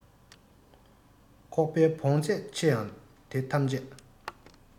ཁོག པའི བོངས ཚད ཆེ ཡང དེ ཐམས ཅད